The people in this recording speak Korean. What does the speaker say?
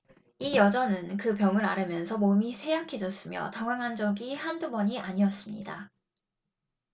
이 여자는 그 병을 앓으면서 몸이 쇠약해졌으며 당황한 적이 한두 번이 아니었습니다